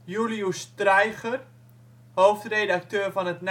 Julius Streicher (hoofdredacteur van het